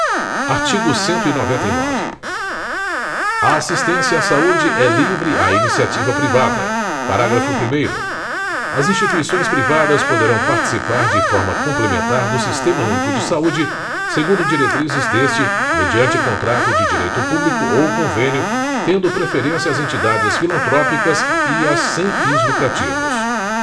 artigo cento e noventa e nove a assistência à saúde é livre à iniciativa privada parágrafo primeiro as instituições privadas poderão participar de forma complementar do sistema único de saúde segundo diretrizes deste mediante contrato de direito público ou convênio tendo preferência as entidades filantrópicas e as sem fins lucrativos